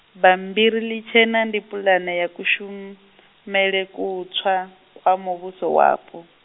bambiri ḽitshena ndi pulane ya kushum- -mele kutswa kwa muvhuso wapo.